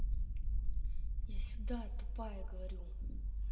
я сюда тупая говорю